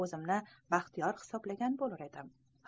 o'zimni baxtiyor hisoblagan bo'lur edim